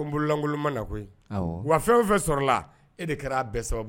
Ko n bololankolon man na koyi wa fɛn o fɛn sɔrɔla e de kɛra a bɛɛ sababu